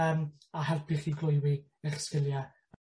yym a helpu chi gloywi eich sgilie.